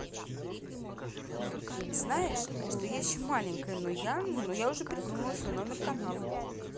знаешь что я еще маленькая но я но я уже придумала свой номер каналы